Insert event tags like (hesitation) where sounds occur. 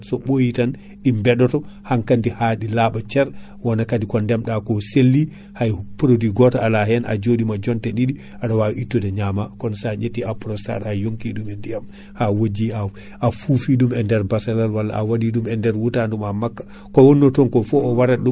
so ɓoyi tan ɗi beɗoto hankkandi ha laaɓa ceer wona kaadi ko ndeemɗa ko selli hay (hesitation) produit goto ala hen a joɗima jonte ɗiɗi aɗa wawi ittude ñama kono sa ƴetti Aprostar a yonkki ɗum e ndiyam ha wojji (hesitation) a fufi ɗum e nder bassallon walla a waɗiɗum e nder wutaduma makka ko wonno ton foof o warat ɗum